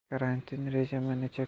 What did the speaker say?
karantin rejimi necha